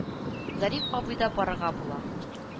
Зариф абый да барырга була